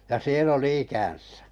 ja siellä oli ikänsä